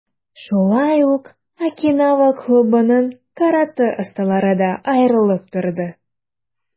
Шулай ук, "Окинава" клубының каратэ осталары да аерылып торды.